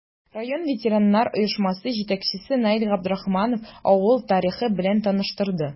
Район ветераннар оешмасы җитәкчесе Наил Габдрахманов авыл тарихы белән таныштырды.